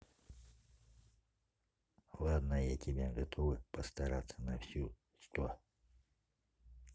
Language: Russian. ладно я тебя готовы постараться на все сто